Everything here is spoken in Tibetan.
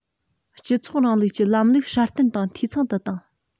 སྤྱི ཚོགས རིང ལུགས ཀྱི ལམ ལུགས སྲ བརྟན དང འཐུས ཚང དུ བཏང